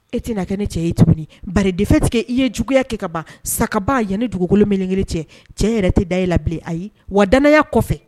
E tɛ' kɛ ne cɛ ye tuguni ba defe tigɛ i ye juguya kɛ ka ban saba ye ni dugukolo minkelen cɛ cɛ yɛrɛ tɛ da e la bilen ayi wadanaya kɔfɛ